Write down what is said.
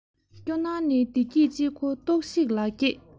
སྐྱོ སྣང ནི བདེ སྐྱིད ཅིག གོ རྟོགས ཤིག ལག སྐྱེས